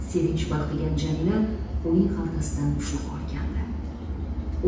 sevinch balqigan jamila uning xaltasidan ushlab olgandi